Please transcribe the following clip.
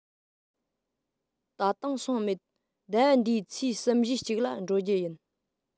ད དུང སོང མེད ཟླ བ འདིའི ཚེས གསུམ བཞིའི གཅིག ལ འགྲོ རྒྱུུ ཡིན